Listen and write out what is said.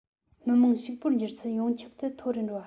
མི དམངས ཕྱུག པོར འགྱུར ཚད ཡོངས ཁྱབ ཏུ མཐོ རུ འགྲོ བ